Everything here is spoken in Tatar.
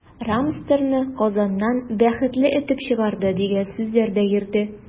“рамстор”ны казаннан “бәхетле” этеп чыгарды, дигән сүзләр дә йөрде.